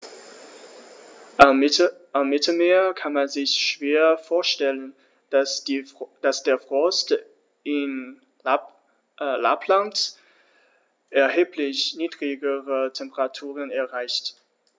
Am Mittelmeer kann man sich schwer vorstellen, dass der Frost in Lappland erheblich niedrigere Temperaturen erreicht.